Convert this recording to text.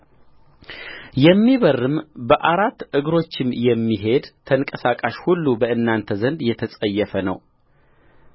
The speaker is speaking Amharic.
የሚበርርም በአራት እግሮችም የሚሔድ ተንቀሳቃሽ ሁሉ በእናንተ ዘንድ የተጸየፈ ነው